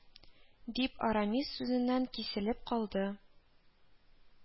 Дип, арамис сүзеннән киселеп калды